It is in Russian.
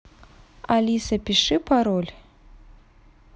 алиса пиши пароль